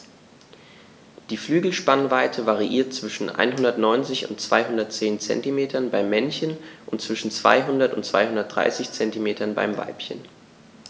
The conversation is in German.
Die Flügelspannweite variiert zwischen 190 und 210 cm beim Männchen und zwischen 200 und 230 cm beim Weibchen.